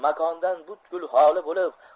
makondan butkul xoli bo'lib